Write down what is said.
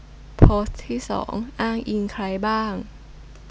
โพสต์ที่สองอ้างอิงใครบ้าง